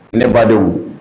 Ne ba dogo